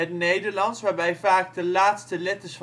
Nederlands waarbij vaak de laatste letters